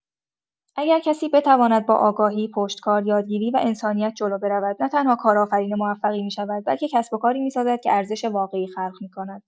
اگر کسی بتواند با آگاهی، پشتکار، یادگیری و انسانیت جلو برود، نه‌تنها کارآفرین موفقی می‌شود، بلکه کسب‌وکاری می‌سازد که ارزش واقعی خلق می‌کند.